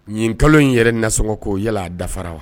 Nin kalo in yɛrɛ nasɔngɔ ko yala a dafara wa?